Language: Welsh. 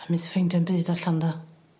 A methu ffeindio 'm byd allan 'da?